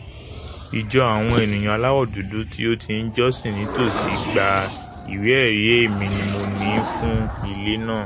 Ìjọ àwọn eniyan aláwọ dúdú tí o ti ńjọsin nítòsí gba ìwé-ẹrí èmi-ni-mo-ni fún ilé náà.